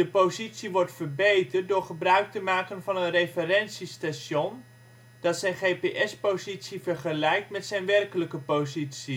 positie wordt verbeterd door gebruik te maken van een referentiestation dat zijn GPS-positie vergelijkt met zijn werkelijke positie